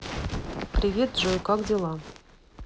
привет джой как дела